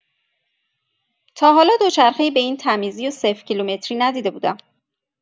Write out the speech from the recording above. تا حالا دوچرخه‌ای به این تمیزی و صفرکیلومتری ندیده بودم.